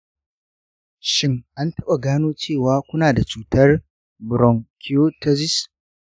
shin an taɓa gano cewa kuna da cutar bronchiectasis?